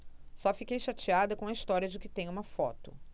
só fiquei chateada com a história de que tem uma foto